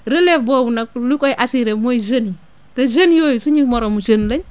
relève boobu nag lu koy assurer mooy jeunes yi te jeunes yooyu suñu moromu jeunes lañ